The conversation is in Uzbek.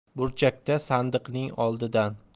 burchakda sandiqning oldidan